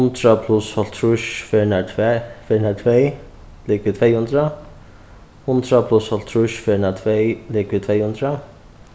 hundrað pluss hálvtrýss ferðirnar tvær ferðirnar tvey ligvið tvey hundrað hundrað pluss hálvtrýss ferðirnar tvey ligvið tvey hundrað